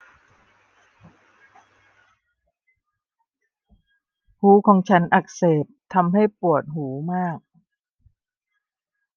หูของฉันอักเสบทำให้ปวดหูมาก